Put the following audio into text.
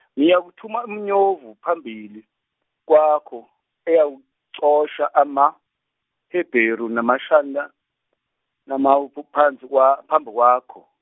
ngiyakuthuma iminyovu phambili, kwakho eyakuxosha ama- hebheru namashanda namaophu- phansi kwa- phambi kwakho.